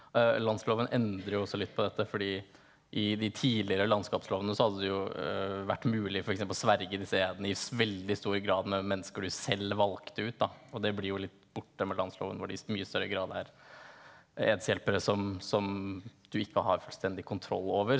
Landsloven endrer jo også litt på dette fordi i de tidligere landskapslovene så hadde det jo vært mulig f.eks. å sverge disse edene i veldig stor grad med mennesker du selv valgte ut da og det blir jo litt borte med landsloven hvor de i mye større grad er edshjelpere som som du ikke har fullstendig kontroll over.